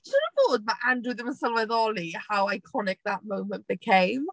Siŵr o fod mae Andrew ddim yn sylweddoli how iconic that moment became